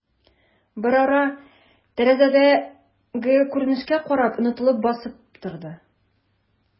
Берара, тәрәзәдәге күренешкә карап, онытылып басып торды.